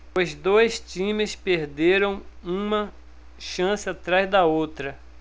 os dois times perderam uma chance atrás da outra